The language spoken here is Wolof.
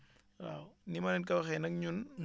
waaw ni ma leen ko waxee nag ñun